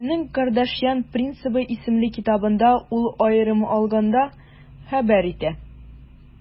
Үзенең «Кардашьян принципы» исемле китабында ул, аерым алганда, хәбәр итә: